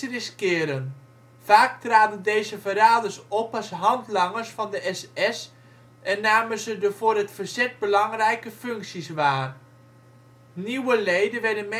riskeren. Vaak traden deze verraders op als handlangers van de SS en namen ze de voor het verzet belangrijke functies waar. Nieuwe leden werden